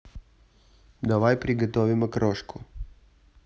давай приготовим окрошку